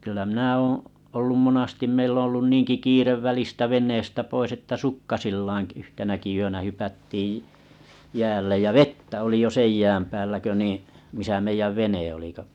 kyllä minä olen ollut monasti meillä on ollut niinkin kiire välistä veneestä pois että sukkasillaan yhtenäkin yönä hypättiin jäälle ja vettä oli jo sen jään päällä kun niin missä meidän vene oli kun